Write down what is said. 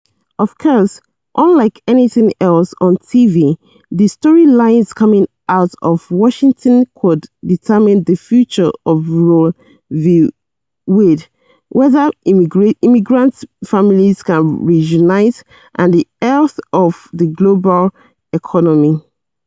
Of course, unlike anything else on TV, the story lines coming out of Washington could determine the future of Roe v. Wade, whether immigrant families can reunite and the health of the global economy.